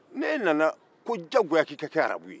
n'e nana ko diyagoya k'e ka kɛ arabu ye